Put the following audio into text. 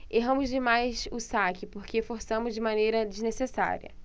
erramos demais o saque porque forçamos de maneira desnecessária